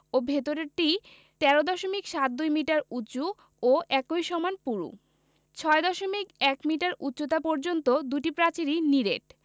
ও ভেতরেরটি ১৩ দশমিক সাত দুই মিটার উঁচু ও একই সমান পুরু ৬দশমিক ১ মিটার উচ্চতা পর্যন্ত দুটি প্রাচীরই নিরেট